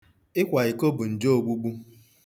Ịkwa iko bụ njọ ogbugbu.